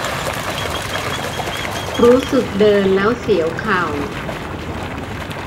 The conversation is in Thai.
รู้สึกเดินแล้วเสียวเข่า